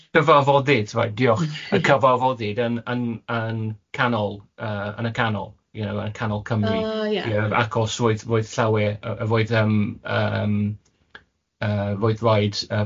cyfarfodydd reit diolch y cyfarfodydd yn yn yn canol yy yn y canol you know yn canol Cymru... oh ia. ..ie acos roedd roedd llawer yy roedd yym yym yy roedd rhaid yy pobl